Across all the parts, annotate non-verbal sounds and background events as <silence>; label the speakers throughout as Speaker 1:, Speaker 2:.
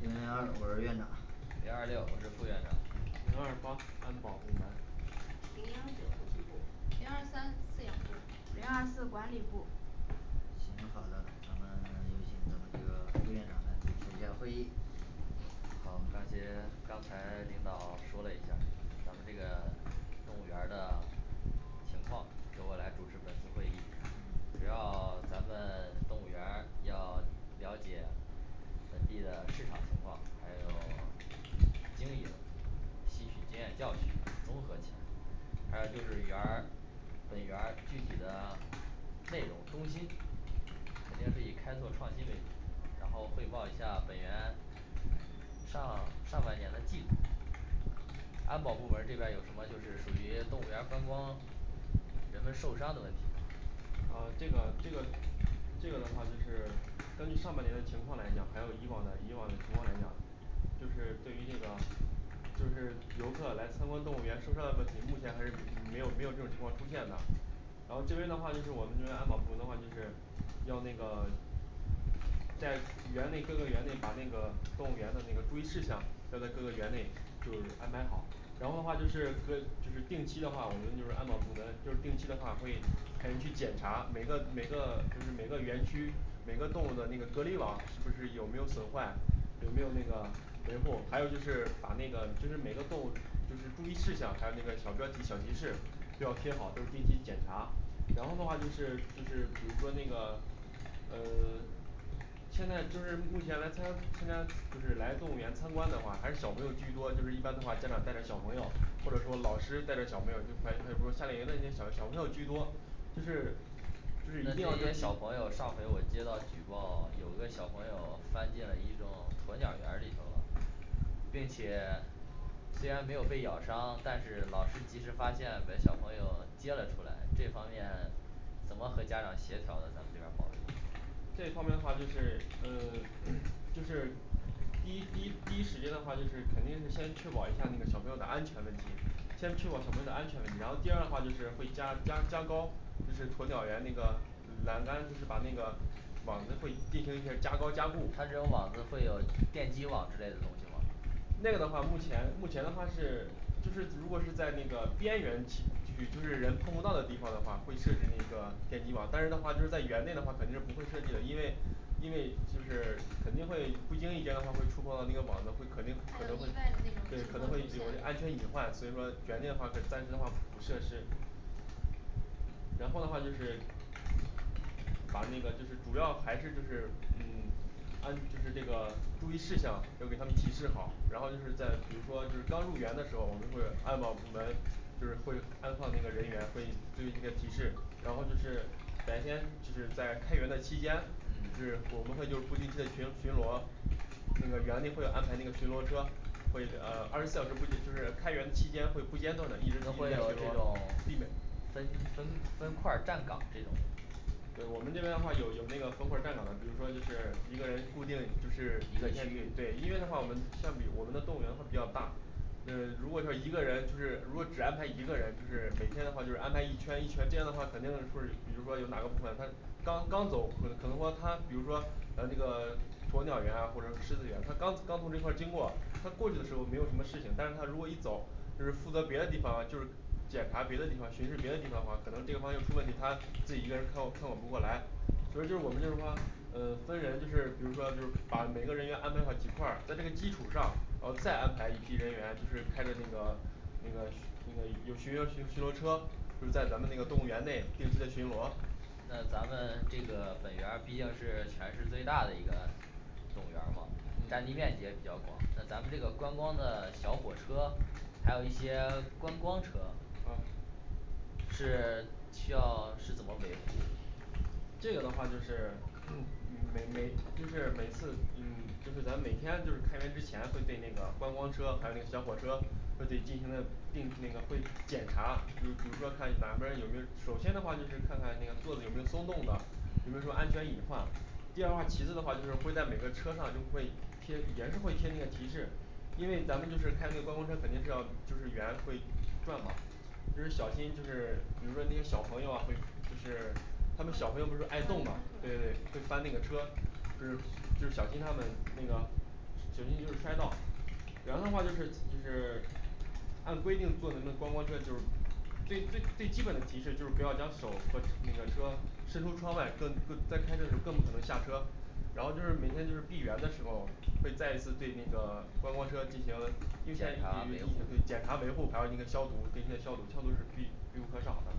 Speaker 1: 零零二我是园长
Speaker 2: 零二六我是副园长
Speaker 3: 零二八安保部门
Speaker 4: 零幺九后勤部
Speaker 5: 零二三饲养部
Speaker 6: 零二四管理部
Speaker 1: 行好的，咱们 <silence> 有请咱们这个副园长来主持下会议。
Speaker 2: 好，刚才领导说了一下儿，咱们这个动物园儿的情况由我来主持本次会议。主要咱们动物园儿要了解本地的市场情况，还有 <silence> 经营吸取经验教训，综合起来。还有就是园儿本园儿具体的内容中心肯定是以开拓创新为主，然后汇报一下本园上上半年的进度。安保部门儿这边儿有什么就是属于动物园儿观光，人们受伤的问题
Speaker 3: 啊这个这个这个的话就是根据上半年的情况来讲，还有以往的以往的情况来讲就是对于这个就是游客来参观动物园受伤的问题，目前还是没有没有这种情况出现的。然后这边的话就是我们这边安保部门的话，就是要那个在园内各个园内把那个动物园的那个注意事项要在各个园内就是安排好然后的话就是隔就是定期的话我们就是安保部门就是定期的话会派人去检查每个每个就是每个园区每个动物的那个隔离网是不是有没有损坏，有没有那个维护，还有就是把那个就是每个动物就是注意事项，还有那个小标题小提示都要贴好，都是定期检查然后的话就是就是比如说那个呃 <silence> 现在就是目前来参加参加就是来动物园参观的话还是小朋友居多，就是一般的话家长带着小朋友或者说老师带着小朋友，就还还说夏令营那些小小朋友居多，就是就是
Speaker 2: 那
Speaker 3: 一定要
Speaker 2: 这
Speaker 3: 就
Speaker 2: 些
Speaker 3: 是提
Speaker 2: 小朋友上回我接到举报，有个小朋友翻进了一种鸵鸟园儿里头，并且虽然没有被咬伤，但是老师及时发现把小朋友接了出来这方面怎么和家长协调的，咱们这边儿
Speaker 3: 这方面的话就是呃， <silence> <crosstalk> 就是第一第一第一时间的话就是肯定是先确保一下那个小朋友的安全问题先确保小朋友的安全问题，然后第二的话就是会加加加高就是鸵鸟园，那个栏杆就是把那个网子会进行一些加高加固
Speaker 2: 它这种网子会有电击网之类的吗？
Speaker 3: 那个的话目前目前的话是，就是如果是在那个边缘区区域就是人碰不到的地方的话，会设置那个电击网，但是的话就是在园内的话肯定是不会设计的，因为因为就是肯定会不经意间的话会触碰到那个网的会肯
Speaker 5: 还有意外的那种情
Speaker 3: 定可能会，对可
Speaker 5: 况
Speaker 3: 能会
Speaker 5: 出
Speaker 3: 有安
Speaker 5: 现
Speaker 3: 全隐患，所以说园内的话可以暂时的话不设施然后的话就是把那个就是主要还是就是嗯安就是这个注意事项要给他们提示好，然后就是在比如说就是刚入园的时候，我们会安保部门就是会安放那个人员会对那个提示，然后就是白天就是在开园的期间就是我们会就不定期的巡巡逻，那个园内会安排那个巡逻车会嗯二十四小时不间 <unintelligible> 就是开园期间会不间断的一直一直在巡逻，避
Speaker 2: 避
Speaker 3: 免
Speaker 2: 免这种分分分块儿站岗这种。
Speaker 3: 对我们这边的话有有那个分块儿站岗的，比如说就是一个人固定就
Speaker 2: 一个片
Speaker 3: 是，
Speaker 2: 区
Speaker 3: 对，因为的话我们相比我们的动物园会比较大嗯如果说一个人就是如果只安排一个人就是，每天的话就是安排一圈一圈，这样的话肯定是比如说有哪个部分他刚刚走，可可能说他比如说呃那个 <silence> 鸵鸟园啊或者狮子园，他刚刚从这块儿经过他过去的时候没有什么事情，但是他如果一走就是负责别的地方，就是检查别的地方，巡视别的地方的话，可能这个方向就出问题，他自己一个人看管看管不过来。所以就是我们就是说呃分人，就是比如说就是把每个人员安排好几块儿，在这个基础上，然后再安排一批人员就是开着那个那个需那个有巡巡巡逻车，就是在咱们那个动物园内定期的巡逻
Speaker 2: 那咱们这个本园儿毕竟是全市最大的一个动物园儿哈占地
Speaker 3: 嗯
Speaker 2: 面积也比较广，那咱们这个观光的小火车，还有一些观光车
Speaker 3: 啊
Speaker 2: 是 <silence> 需要是怎么维护
Speaker 3: 这个的话就是 <crosstalk> 嗯每每就是每次嗯就是咱们每天就是开园之前会对那个观光车还有那个小火车会对进行了定那个会检查，就是比如说看哪边儿有没有，首先的话就是看看那个座子有没有松动的有没有什么安全隐患，第二话其次的话就是会在每个车上就会贴也是会贴那个提示因为咱们就是开那个观光车肯定是要就是园会转嘛，就是小心，就是比如说那些小朋友啊会就是他们小朋友不是爱动嘛，对对会翻那个车。就是就是小心他们那个小心就是摔到，然后的话就是就是按规定坐咱们观光车就是最最最基本的提示就是不要将手和那个车伸出窗外，更更在开车时候更不可能下车然后就是每天就是闭园的时候会再一次对那个观光车进行优
Speaker 2: 检
Speaker 3: 先
Speaker 2: 查
Speaker 3: 呃一行检查维护，还有那个消毒定期的消毒消毒是必必不可少的。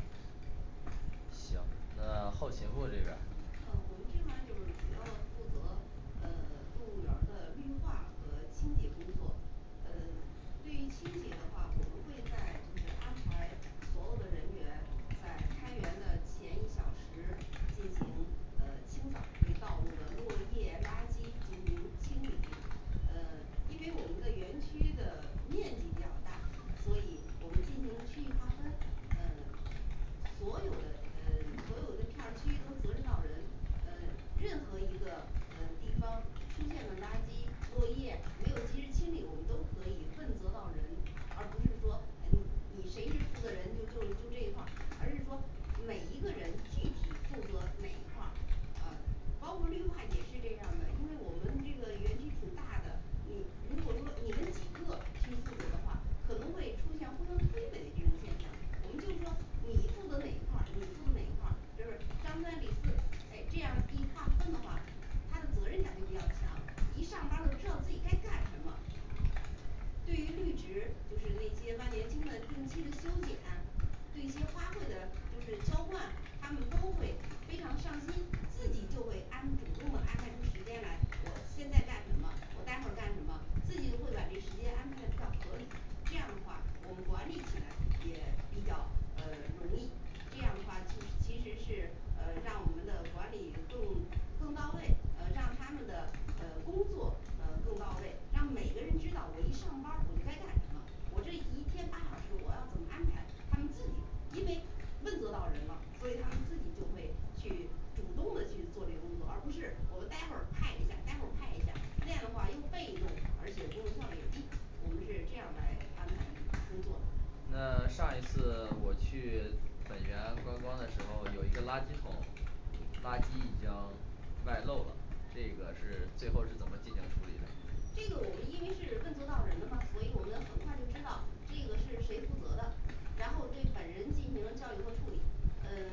Speaker 2: 行，那后勤部这边儿
Speaker 4: 呃我们这边儿就是主要负责呃动物园儿的绿化和清洁工作嗯 <silence> 对于清洁的话，我们会在就是安排所有的人员在开园的前一小时进行呃清扫，对道路的落叶垃圾进行清理。呃因为我们的园区的面积比较大，所以我们进行区域划分呃所有的呃所有的片儿区都责任到人，呃任何一个嗯地方出现了垃圾，落叶没有及时清理，我们都可以问责到人而不是说哎你谁是负责人就就就这一块儿，而是说每一个人具体负责哪一块儿啊包括绿化也是这样的，因为我们这个园区挺大的，你如果说你们几个去负责的话可能会出现互相推诿的这种现象，我们就是说你负责哪一块儿你负责哪一块儿就是张三李四诶这样一划分的话他的责任感就比较强，一上班儿就知道自己该干什么。对于绿植就是那些万年青的定期的修剪对一些花卉的就是浇灌，他们都会非常上心，自己就会安主动的安排出时间来，我现在干什么，我待会儿干什么自己会把这时间安排的比较合理，这样的话我们管理起来也比较呃容易这样的话就是其实是呃让我们的管理更更到位呃让他们的呃工作呃更到位，让每个人知道我一上班儿我就该干什么我这一天八小时我要怎么安排他们自己，因为问责到人了，所以他们自己就会去主动的去做这工作，而不是我们待会儿派一下待会儿派一下，那样的话又被动，而且工作效率也低，我们是这样来安排工作的。
Speaker 2: 那上一次我去本园观光的时候有一个垃圾桶，垃圾已经外漏了，这个是最后是怎么进行处理的？
Speaker 4: 这个我们因为是问责到人了嘛，所以我们很快就知道这个是谁负责的，然后对本人进行教育和处理嗯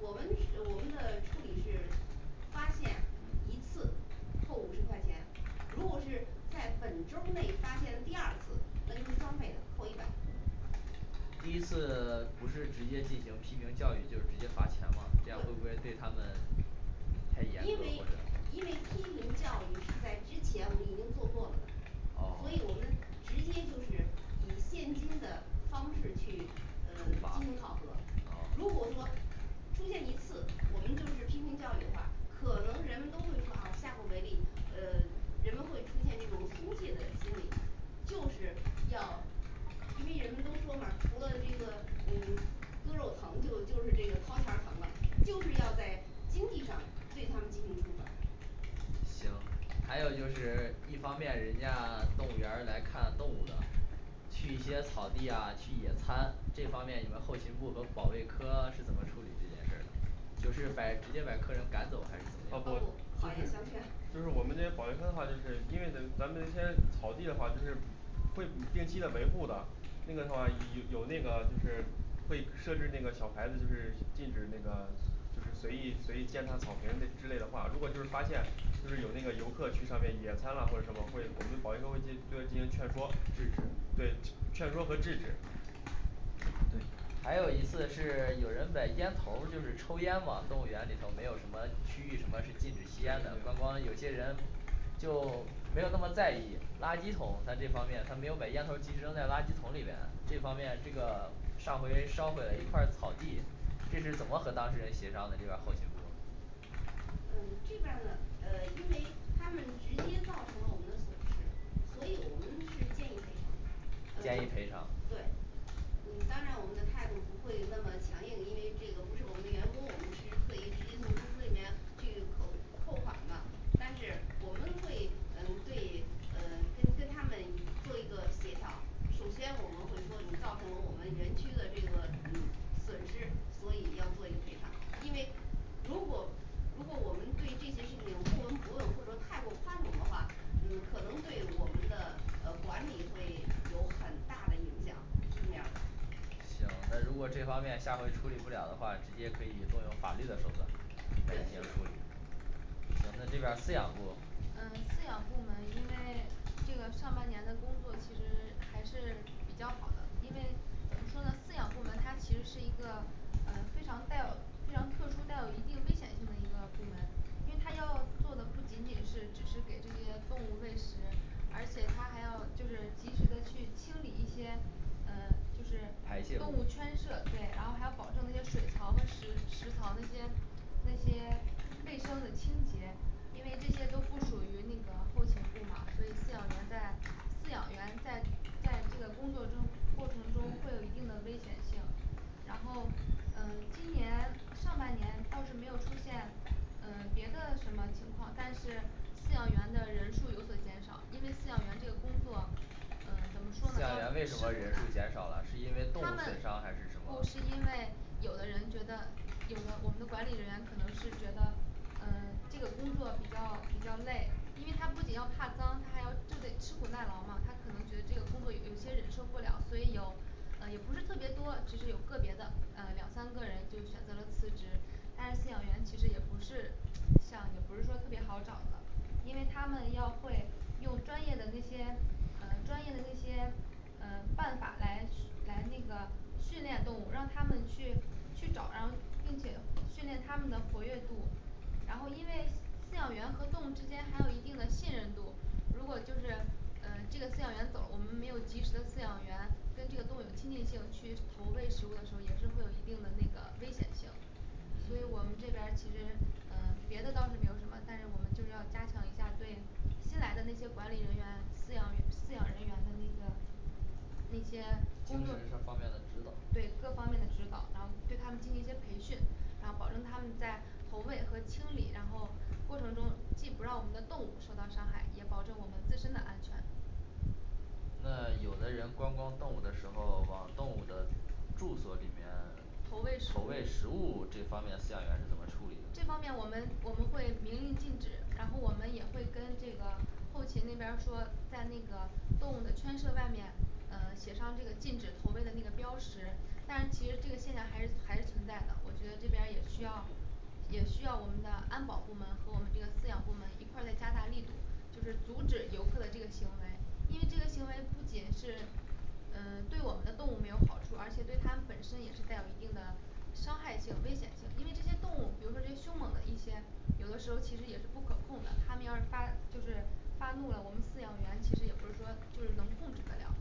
Speaker 4: 我们是我们的处理是发现一次扣五十块钱如果是在本周儿内发现了第二次，那就是双倍的扣一百
Speaker 2: 第一次 <silence> 不是直接进行批评教育，就是直接罚钱吗？这样会
Speaker 4: 对
Speaker 2: 不会对他们太严肃
Speaker 4: 因为因为批评教育是在之前我们已经做过的
Speaker 2: 哦，
Speaker 4: 所以我们直接就是以现金的方式去嗯进行考
Speaker 2: 罚
Speaker 4: 核。如果说出现一次我们就是批评教育的话，可能人们都会说啊下不为例，呃人们会出现这种松懈的心理，就是要因为人们都说嘛除了这个嗯割肉疼就就是这个掏钱儿疼吧，就是要在经济上对他们进行处罚。
Speaker 2: 行，还有就是一方面人家动物园儿来看动物的去一些草地呀去野餐这方面，你们后勤部和保卫科是怎么处理这件事儿？就是把直接把客人赶走还是，
Speaker 3: 啊
Speaker 4: 啊
Speaker 3: 不
Speaker 4: 不
Speaker 3: 就，
Speaker 4: 好言
Speaker 3: 是
Speaker 4: 相劝，
Speaker 3: 就是我们这保卫科的话，就是因为咱咱们那草地的话就是会定期的维护的那个的话，有有有那个就是会设置那个小牌子，就是禁止那个就是随意随意践踏草坪那之类的话，如果就是发现就是有那个游客去上面野餐啦或者什么会，我们保卫科会进对他进行劝说，
Speaker 2: 制止
Speaker 3: 对劝说和制止。
Speaker 2: 对，还有一次是有人把烟头儿，就是抽烟往动物园里头没有什么区域什么是禁止吸
Speaker 3: 对
Speaker 2: 烟
Speaker 3: 对
Speaker 2: 的，观
Speaker 3: 对
Speaker 2: 光有些人就没有那么在意垃圾桶在这方面它没有把烟头儿进扔在垃圾桶里面，这方面这个上回烧毁了一块儿草地，这是怎么和当事人协商的这边儿后勤？
Speaker 4: 嗯这边儿呢呃因为他们直接造成了我们的损失，所以我们是建议赔偿嗯
Speaker 2: 建议赔偿，
Speaker 4: 对，嗯当然我们的态度不会那么强硬，因为这个不是我们的员工，我们是可以直接从公司里面去扣扣款的，但是我们会嗯对嗯跟跟他们做一个协调首先我们会说你造成了我们园区的这个嗯损失，所以要做一个赔偿，因为如果如果我们对这些事情不闻不问或者说太过宽容的话，嗯可能对我们的呃管理会有很大的影响，是这样的。
Speaker 2: 行，那如果这方面下回处理不了的话，直接可以动用法律的手段。
Speaker 4: 对是的
Speaker 2: 那这边儿饲养部
Speaker 5: 嗯饲养部门，因为这个上半年的工作其实还是比较好的，因为怎么说呢饲养部门它其实是一个嗯非常带有非常特殊带有一定危险性的一个部门因为他要做的不仅仅是只是给这些动物喂食，而且他还要就是及时的去清理一些嗯就是
Speaker 2: 排泄
Speaker 5: 动物圈舍，对，然后还要保证那些水槽和食食槽那些，那些卫生的清洁因为这些都不属于那个后勤部嘛，所以饲养员在饲养员在在这个工作中过程中会有一定的危险性。然后嗯今年上半年倒是没有出现嗯别的什么情况，但是饲养员的人数有所减少，因为饲养员这个工作嗯怎么说
Speaker 2: 饲
Speaker 5: 呢
Speaker 2: 养
Speaker 5: 要
Speaker 2: 员为
Speaker 5: 吃
Speaker 2: 什
Speaker 5: 苦
Speaker 2: 么
Speaker 5: 的，他
Speaker 2: 人数减少了
Speaker 5: 们，
Speaker 2: 是因为动物减少还是什么
Speaker 5: 不是因为有的人觉得有的我们的管理人员可能是觉得嗯这个工作比较比较累因为他不仅要怕脏，他还要就得吃苦耐劳嘛，他可能觉得这个工作有些忍受不了，所以有呃也不是特别多，只是有个别的呃两三个人就选择了辞职但是饲养员其实也不是像也不是说特别好找的因为他们要会用专业的那些嗯专业的那些嗯办法来来那个训练动物，让他们去去找，然后并且训练他们的活跃度。然后因为饲养员和动物之间还有一定的信任度，如果就是嗯这个饲养员走了，我们没有及时的饲养员跟这个动物有亲近性去投喂食物的时候也是会有一定的那个危险性。所以我们这边儿其实嗯别的倒是没有什么，但是我们就是要加强一下对新来的那些管理人员饲养员饲养人员的那个那些
Speaker 2: 精
Speaker 5: 工
Speaker 2: 神
Speaker 5: 作对
Speaker 2: 上
Speaker 5: 各
Speaker 2: 方面的指导，
Speaker 5: 方面的指导，然后对他们进行一些培训然后保证他们在投喂和清理，然后过程中既不让我们的动物受到伤害，也保证我们自身的安全。
Speaker 2: 那有的人观光动物的时候，往动物的住所里面
Speaker 5: 投喂
Speaker 2: 投喂
Speaker 5: 食物，
Speaker 2: 食物这方面饲养员是怎么处理的
Speaker 5: 这方面我们我们会明令禁止，然后我们也会跟这个后勤那边儿说，在那个动物的圈舍外面嗯写上这个禁止投喂的那个标识但是其实这个现象还是还是存在的，我觉得这边儿也需要也需要我们的安保部门和我们这个饲养部门一块儿再加大力度就是阻止游客的这个行为，因为这个行为不仅是嗯对我们的动物没有好处，而且对它们本身也是带有一定的伤害性危险性，因为这些动物比如说这凶猛的一些有的时候其实也是不可控的，它们要是发就是发怒了，我们饲养员其实也不是说就能控制得了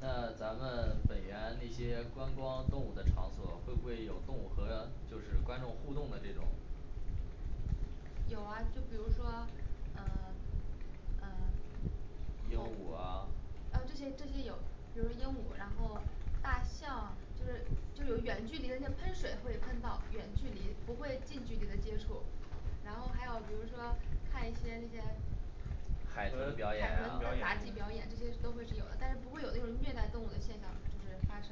Speaker 2: 那咱们本园一些观光动物的场所，会不会有动物和就是观众互动的这种？
Speaker 5: 有啊，就比如说嗯嗯
Speaker 2: 鹦
Speaker 5: 猴
Speaker 2: 鹉啊
Speaker 5: 这些这些有比如说鹦鹉，然后大象就是就有远距离那些喷水，会喷到远距离不会近距离的接触。然后还有比如说看一些那些
Speaker 2: 海
Speaker 3: 海
Speaker 5: 海
Speaker 2: 豚
Speaker 3: 豚
Speaker 2: 表
Speaker 3: 表
Speaker 2: 演
Speaker 3: 演，
Speaker 5: 豚和杂技表演这些都会是有的，但是不会有那种虐待动物的现象，就是发生。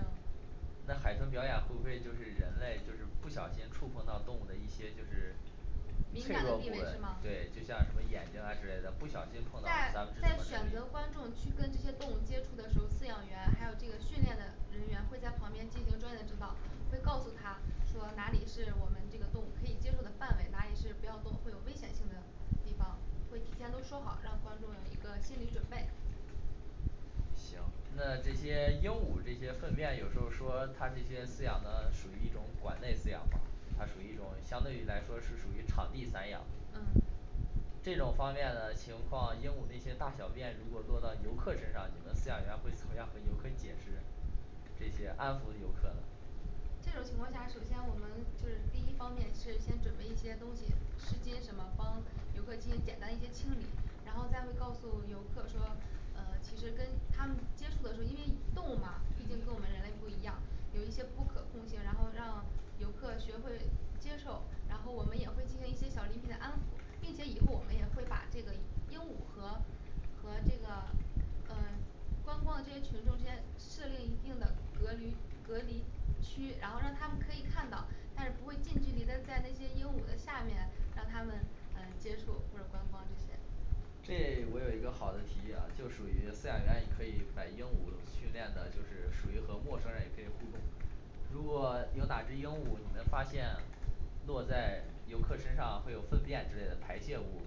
Speaker 2: 那海豚表演会不会就是人类就是不小心触碰到动物的一些就是
Speaker 5: 敏
Speaker 2: 脆
Speaker 5: 感的
Speaker 2: 弱部
Speaker 5: 地
Speaker 2: 位
Speaker 5: 位是吗？
Speaker 2: 对，就像什么眼睛啊之类的，不小心碰到
Speaker 5: 在
Speaker 2: 三
Speaker 5: 在选择观众去跟这些动物接触的时候，饲养员还有这个训练的人员会在旁边进行专业的指导会告诉他说哪里是我们这个动物可以接受的范围，哪里是不要动会有危险性的地方会提前都说好，让观众有一个心理准备。
Speaker 2: 行，那这些鹦鹉这些粪便，有时候说它这些饲养呢属于一种馆内饲养吗它属于一种相对于来说是属于场地散养
Speaker 5: 嗯
Speaker 2: 这种方面的情况，鹦鹉那些大小便如果落到游客身上，你们的饲养员会怎么样跟游客解释呢？这些安抚游客
Speaker 5: 这种情况下，首先我们就是第一方面是先准备一些东西湿巾什么帮游客进行简单一些清理，然后再会告诉游客说呃其实跟它们接触的时候，因为动物嘛毕竟跟我们人类不一样，有一些不可控性，然后让游客学会接受然后我们也会进行一些小礼品的安抚，并且以后我们也会把这个鹦鹉和和这个呃观光的这些群众间设立一定的隔驴隔离区，然后让他们可以看到，但是不会近距离的在那些鹦鹉的下面，让他们啊接触或者观光这些。
Speaker 2: 这我有一个好的提议啊，就属于饲养员也可以把鹦鹉训练的就是属于和陌生人也可以互动如果有哪些鹦鹉你们发现落在游客身上会有粪便之类的排泄物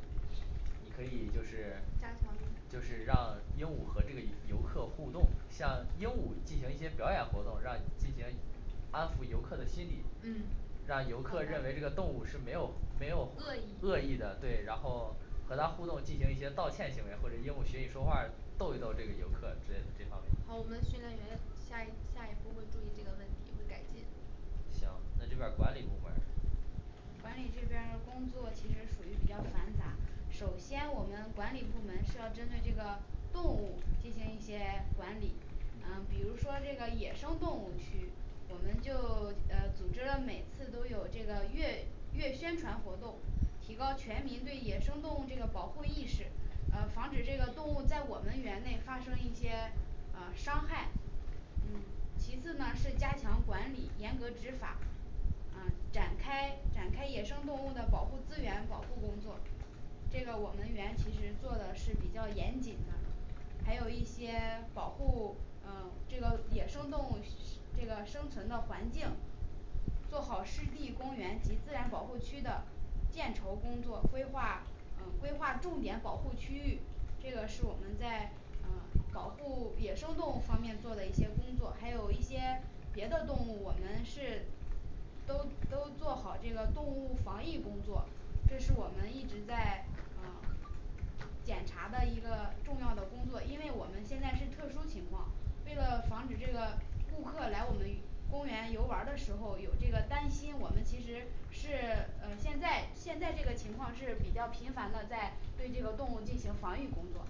Speaker 2: 你可以就是
Speaker 5: 加强力度，
Speaker 2: 就是，让鹦鹉和这个游客互动，像鹦鹉进行一些表演活动，让进行安抚游客的心理
Speaker 5: 嗯
Speaker 2: 让游客认为这个动物是没有没有
Speaker 5: 恶意
Speaker 2: 恶意的，对，然后和他互动进行一些道歉行为，或者鹦鹉学习说话儿逗一逗这个游客之类的这方面，
Speaker 5: 好，我们训练员下一下一步会注意这个问题，会改进。
Speaker 2: 行那这边儿管理部门儿
Speaker 6: 管理这边儿工作其实属于比较繁杂，首先我们管理部门是要针对这个动物进行一些管理嗯比如说这个野生动物区，我们就 <silence> 呃组织了每次都有这个月月宣传活动提高全民对野生动物这个保护意识，呃防止这个动物在我们园内发生一些呃伤害。嗯其次呢是加强管理，严格执法，啊展开展开野生动物的保护资源保护工作。这个我们园其实做的是比较严谨的，还有一些保护呃这个野生动物这个生存的环境做好湿地公园及自然保护区的建筹工作规划，嗯规划重点保护区域这个是我们在嗯保护野生动物方面做的一些工作，还有一些别的动物，我们是都都做好这个动物防疫工作，这是我们一直在啊检查的一个重要的工作，因为我们现在是特殊情况，为了防止这个顾客来我们公园游玩儿的时候有这个担心，我们其实是 <silence> 呃现在现在这个情况是比较频繁的在对这个动物进行防御工作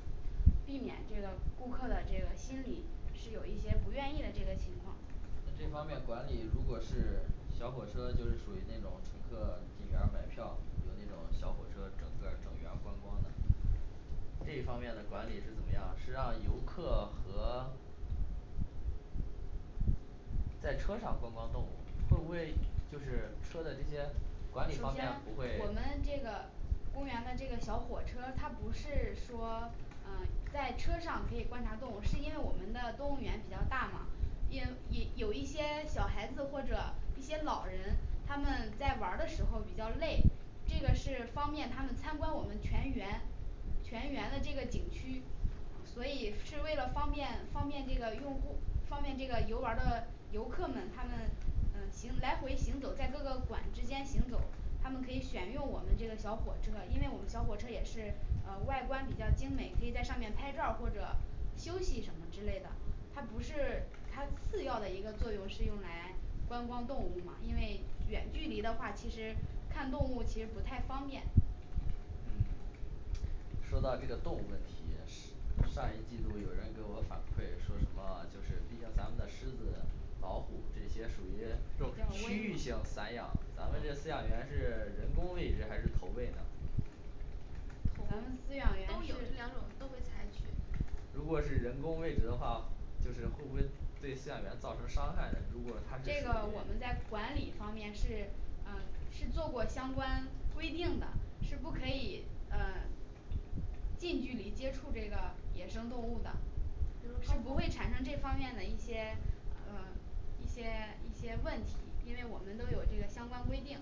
Speaker 6: 避免这个顾客的这个心理是有一些不愿意的这个情况。
Speaker 2: 这方面管理如果是小火车就是属于那种乘客进园儿买票，就那种小火车整个整个园观光的这方面的管理是怎么样？是让游客和在车上观光动物，会不会就是车的这些管理
Speaker 6: 我
Speaker 2: 方面不会
Speaker 6: 们，我们这个公园的这个小火车它不是说嗯在车上可以观察动物，是因为我们的动物园比较大嘛也也有一些小孩子或者一些老人，他们在玩儿的时候比较累这个是方便他们参观我们全园全园的这个景区所以是为了方便方便这个用户方便这个游玩儿的，游客们他们嗯行来回行走在各个馆之间行走他们可以选用我们这个小火车，因为我们小火车也是呃外观比较精美，可以在上面拍照儿或者休息什么之类的它不是它次要的一个作用，是用来观光动物嘛，因为远距离的话，其实看动物其实不太方便
Speaker 2: 嗯说到这个动物问题上一季度有人给我反馈说什么，就是毕竟咱们的狮子，老虎这些属于
Speaker 3: 肉食
Speaker 2: 区域性散养，咱们这个饲养员儿是人工喂食还是投喂呢
Speaker 6: 咱们饲养员
Speaker 5: 都有这
Speaker 6: 是
Speaker 5: 两种都会采取。
Speaker 2: 如果是人工喂食的话，就是会不会对饲养员造成伤害？如果它是
Speaker 6: 这个我们在管理方面是呃是做过相关规定的，是不可以呃近距离接触这个野生动物的，就说是不会产生这方面的一些呃一些一些问题，因为我们都有这个相关规定。